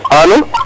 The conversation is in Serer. alo